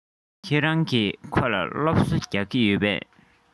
ཁྱེད རང གིས ཁོ ལ སློབ གསོ རྒྱག གི ཡོད པས